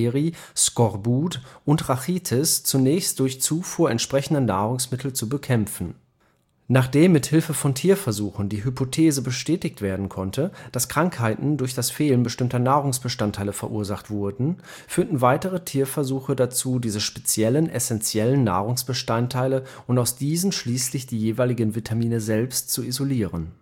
Beri-Beri, Skorbut und Rachitis zunächst durch Zufuhr entsprechender Nahrungsmittel zu bekämpfen. Nachdem mit Hilfe von Tierversuchen die Hypothese bestätigt werden konnte, dass die Krankheiten durch das Fehlen bestimmter Nahrungsbestandteile verursacht wurden, führten weitere Tierversuche dazu, diese speziellen essentiellen Nahrungsbestandteile und aus diesen schließlich die jeweiligen Vitamine selbst zu isolieren